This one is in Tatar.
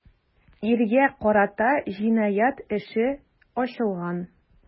Иргә карата җинаять эше ачылган.